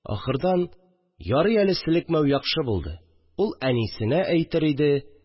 Ахырдан: «Ярый әле, селекмәү яхшы булды, ул әнисенә әйтер иде